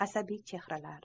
asabiy chehralar